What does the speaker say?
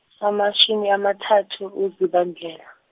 amashumi amathathu uZibandlela.